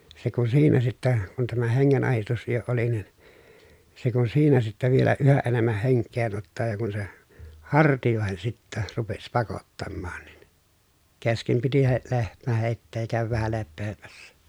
se kun siinä sitten kun tämä hengenahdistus jo oli niin se kun siinä sitten vielä yhä enemmän henkeen ottaa ja kun se hartioihin sitten rupesi pakottamaan niin kesken piti - lehmä heittää ja käydä vähän lepäämässä